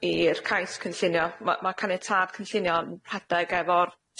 i'r cais cynllunio ma' ma' caniatâd cynllunio yn rhedeg efo'r